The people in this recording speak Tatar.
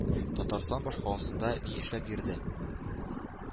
Татарстан башкаласында ни эшләп йөрде?